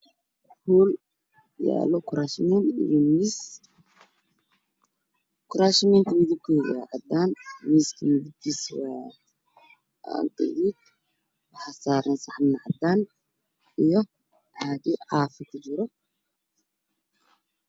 Waa howl waxaa iiga muuqda kuraasman miisaska yihiin gudood qaxwi dahabi yada waa dahabi